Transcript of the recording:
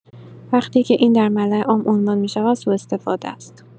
وقتی که این در ملاعام عنوان می‌شود، سوءاستفاده است.